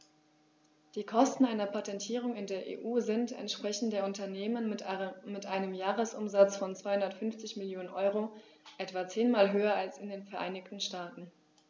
Die Kosten einer Patentierung in der EU sind, entsprechend der Unternehmen mit einem Jahresumsatz von 250 Mio. EUR, etwa zehnmal höher als in den Vereinigten Staaten.